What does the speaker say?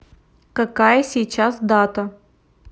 какая сейчас дата